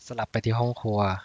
สลับไปที่ห้องครัว